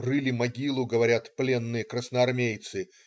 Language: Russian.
Рыли могилу, говорят, пленные красноармейцы.